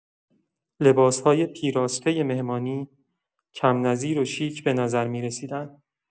لباس‌های پیراسته مهمانی، کم‌نظیر و شیک به نظر می‌رسیدند.